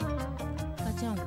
Pa